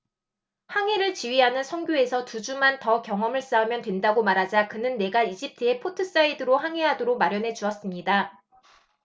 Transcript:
항해를 지휘하는 선교에서 두 주만 더 경험을 쌓으면 된다고 말하자 그는 내가 이집트의 포트사이드로 항해하도록 마련해 주었습니다